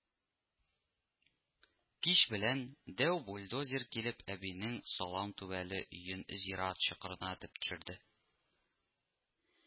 Кич белән дәү бульдозер килеп әбинең салам түбәле өен зират чокырына этеп төшерде